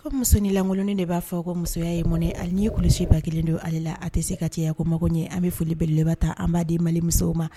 Ka musoninlankolonuni de b'a fɔ ka musoya ye mɔn ani ye kulusi ba kelen don ale la a tɛ se ka cayaya ko mago ɲɛ an bɛ folibeleba ta an bba di mali musow ma